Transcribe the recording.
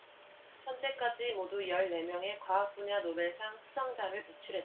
현재까지 모두 열 네 명의 과학분야 노벨상 수상자를 배출했다